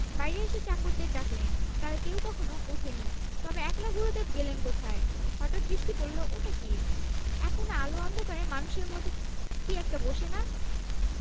বাইরে এসে চাকরদের ডাকলেন তারা কেউ তখনও ওঠেনি তবে একলা গুরুদেব গেলেন কোথায় হঠাৎ দৃষ্টি পড়ল ওটা কি এক কোণে আলো অন্ধকারে মানুষের মত কি একটা বসে না